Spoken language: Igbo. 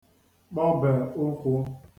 kpọbè ụkwụ̄